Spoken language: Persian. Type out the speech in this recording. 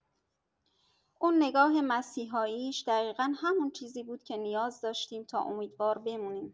اون نگاه مسیحاییش دقیقا همون چیزی بود که نیاز داشتیم تا امیدوار بمونیم.